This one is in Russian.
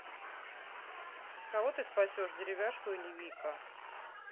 кого ты спасешь деревяшку или vika